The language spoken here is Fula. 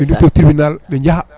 dutto tribunal ɓe jaaya